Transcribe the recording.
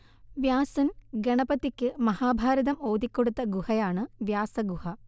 വ്യാസൻ ഗണപതിക്ക് മഹാഭാരതം ഓതിക്കൊടുത്ത ഗുഹയാണ് വ്യാസഗുഹ